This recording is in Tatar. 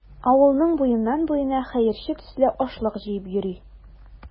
Авылның буеннан-буена хәерче төсле ашлык җыеп йөри.